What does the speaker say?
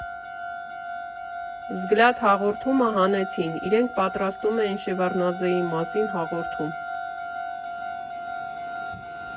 «Վզգլյադ» հաղորդումը հանեցին, իրենք պատրաստում էին Շևարդնաձեի մասին հաղորդում։